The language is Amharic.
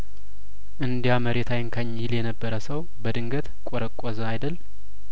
እንዲያመሬት አይንካኝ ይል የነበረ ሰው በድንገት ቆረቆዘ አይደል